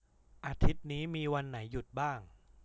อาทิตย์นี้มีวันไหนหยุดบ้าง